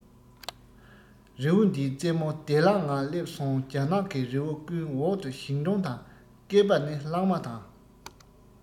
རི བོ འདིའི རྩེ མོ བདེ བླག ངང སླེབས སོང རྒྱ ནག གི རི བོ ཀུན འོག ཏུ ཞིང གྲོང དང སྐེད པ ནི གླང མ དང